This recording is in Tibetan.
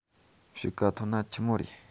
དཔྱིད ཀ ཐོན ན ཆི མོ རེད